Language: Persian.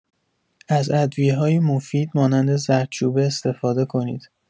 از ادویه‌های مفید مانند زردچوبه استفاده کنید.